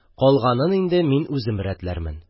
Калганын инде мин үзем рәтләрмен.